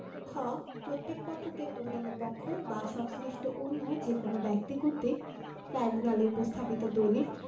খ প্রত্যেক পক্ষকে অন্যান্য পক্ষ বা সংশ্লিষ্ট অন্য যে কোন ব্যক্তি কর্তৃক ট্রাইব্যুনালে উপস্থাপিত দলিল